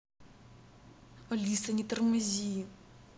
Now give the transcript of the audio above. алиса не тормози